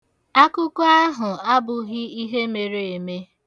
Akụkọ ahụ abụghị ihe mere eme.